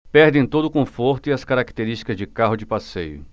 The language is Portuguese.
perdem todo o conforto e as características de carro de passeio